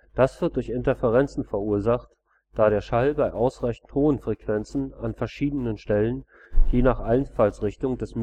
Das wird durch Interferenzen verursacht, da der Schall bei ausreichend hohen Frequenzen an verschiedenen Stellen je nach Einfallsrichtung des